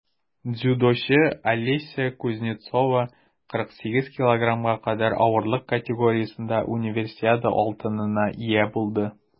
Дзюдочы Алеся Кузнецова 48 кг кадәр авырлык категориясендә Универсиада алтынына ия булды.